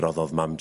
...roddodd mam...